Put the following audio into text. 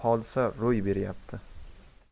hodisa ro'y berayapti